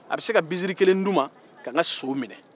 a bɛ se ka binsiri kelen di n ma ka n ka so minɛ